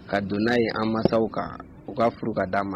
Ka don n'a ye an masasaw kan u ka furu ka d dian ma